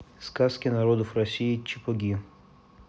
сказки народов россии чепоги